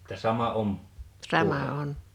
että sama on murre